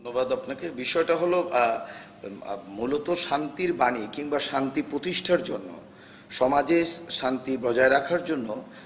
ধন্যবাদ আপনাকে বিষয়টা হল মূলত শান্তির বাণী কিংবা শান্তি প্রতিষ্ঠার জন্য সমাজে শান্তি বজায় রাখার জন্য